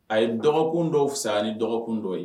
A ye dɔgɔkun dɔ fisa ni dɔgɔkun dɔ ye.